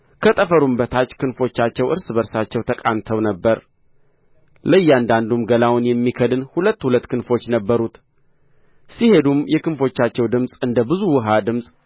ከጠፈሩም በታች ክንፎቻቸው እርስ በርሳቸው ተቃንተው ነበር ለእያንዳንዱም ገላውን የሚከድኑ ሁለት ሁለት ክንፎች ነበሩት ሲሄዱም የክንፎቻቸው ድምፅ እንደ ብዙ ውኃ ድምፅ